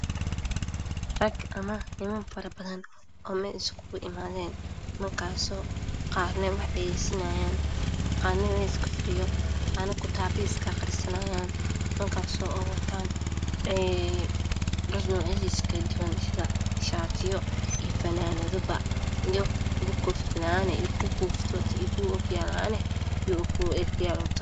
Rag amo niman fara badan qaarna meel iska fadhiyo iyo kuwo wax aqrisanaayo waxey xiran yihiin dhar madow ah iyo oo kiyaalo cadaan ah